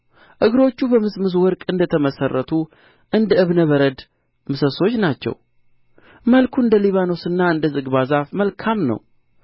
እግሮቹ በምዝምዝ ወርቅ እንደ ተመሠረቱ እንደ ዕብነ በረድ ምሰሶች ናቸው መልኩ እንደ ሊባኖስና እንደ ዝግባ ዛፍ መልካም ነው